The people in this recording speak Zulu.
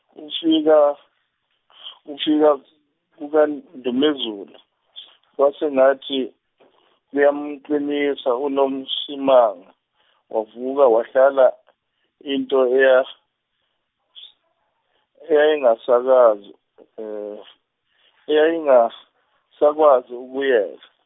ukfika ukfika kukaNdumezulu kwasengathi kuyamqinisa uNoMsimangu wavuka wahlala, into eya- ayengasakwaz- ayengasakwazi ukuyenza.